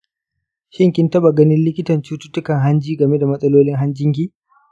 shin kin taɓa ganin likitan cututtukan hanji game da matsalolin hanjinki?